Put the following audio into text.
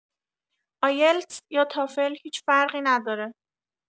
ایلتس یا تاقل هیچ فرقی نداره.